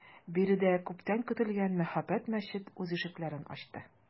Биредә күптән көтелгән мәһабәт мәчет үз ишекләрен ачты.